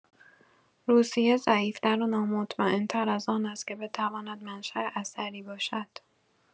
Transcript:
روسیه ضعیف‌تر و نامطمئن‌تر از آن است که بتواند منشا اثری باشد.